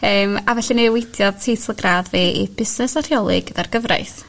yym a felly'n newidiodd teitl gradd fi i Bunes a Rheoli gyda'r Gyfraith.